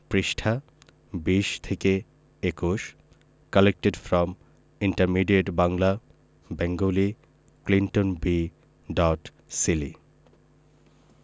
পৃষ্ঠা ২০ থেকে ২১ collected from intermediate Bangla Bengali Clinton B dot Seely